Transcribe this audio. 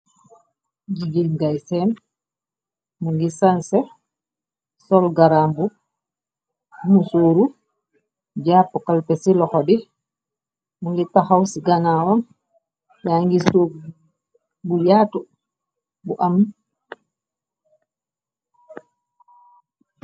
Jigéen gay sèèn mu ngi sanse sol garambubu musóru japu kalpèh ci loxo bi mugii taxaw ci ganawam ya ngi suuf bu yaatu bu am.